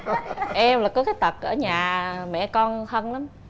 em là có cái tật ở nhà mẹ con hâm lắm